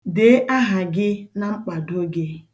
Dee aha gị na mkpado gị.